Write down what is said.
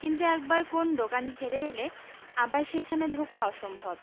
কিন্তু একবার কোন দোকান ছেড়ে এলে আবার সেখানে ঢোকা অসম্ভব